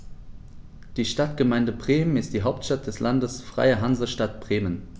Die Stadtgemeinde Bremen ist die Hauptstadt des Landes Freie Hansestadt Bremen.